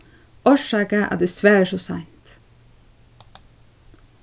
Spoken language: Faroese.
orsaka at eg svari so seint